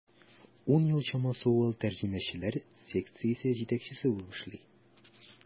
Ун ел чамасы ул тәрҗемәчеләр секциясе җитәкчесе булып эшли.